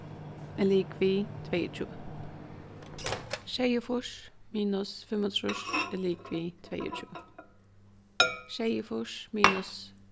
er ligvið tveyogtjúgu sjeyogfýrs minus fimmogtrýss er ligvið tveyogtjúgu sjeyogfýrs minus